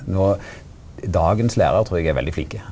nå dagens lærarar trur eg er veldig flinke.